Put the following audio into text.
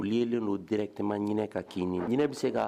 O lieu nen do directement ɲinɛn ka kinni na. Ŋinɛn bi se ka